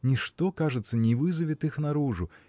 Ничто, кажется, не вызовет их наружу.